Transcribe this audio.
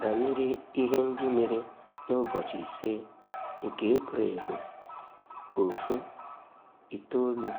banyere ihe ndị mere n'ụbọchị 5 nke Eprelụ 1941.